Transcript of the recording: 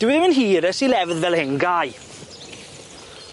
Dyw e 'im yn hir ers i lefydd fel hyn gau.